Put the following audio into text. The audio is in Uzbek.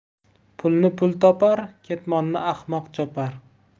pulni pul topar ketmonni ahmoq chopar